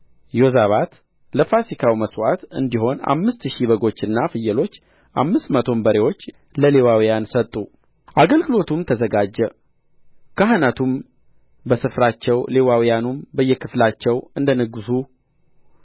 ዮዛባት ለፋሲካው መሥዋዕት እንዲሆን አምስት ሺህ በጎችና ፍየሎች አምስት መቶም በሬዎች ለሌዋውያን ሰጡ አገልግሎቱም ተዘጋጀ ካህናቱም በስፍራቸው ሌዋውያኑም በየክፍላቸው እንደ ንጉሥ